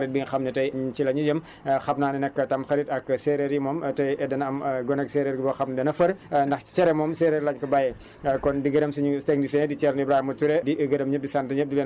kon ñu ngi leen di gërëm di leen sant di leen baalu àq bu baax a baax di leen baal àq si tamxarit bi nga xam ne tey ci la ñu jëm ah xam naa ne nag tamxarit ak séeréer yi moom tey dana am goneg séeréer boo xam ne na fër ndax cere moom séeréer lañ ko bàyyee